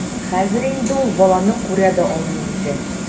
Хәзер инде ул баланы күрә дә алмый иде.